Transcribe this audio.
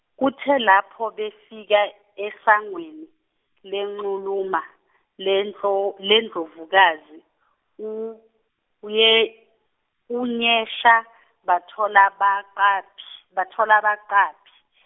kuthe lapho befika esangweni, lenxuluma, lendlo- lendlovukazi u- uye- uNyesa, bathola baqaphi, bathola abaqaphi.